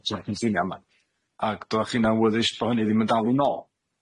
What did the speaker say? So cyn syniad yma ag dach chi'n awyddus bo' hynny ddim yn dal i nôl.